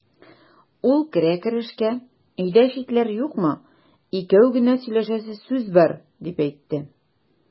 Ул керә-керешкә: "Өйдә читләр юкмы, икәү генә сөйләшәсе сүз бар", дип әйтте.